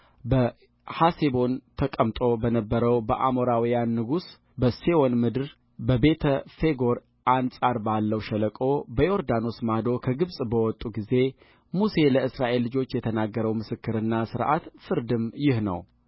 በሐሴቦን ተቀምጦ በነበረው በአሞራውያን ንጉሥ በሴዎን ምድር በቤተ ፌጎር አንጻር ባለው ሸለቆ በዮርዳኖስ ማዶ ከግብፅ በወጡ ጊዜ ሙሴ ለእስራኤል ልጆች የተናገረው ምስክርና ሥርዓት ፍርድም ይህ ነው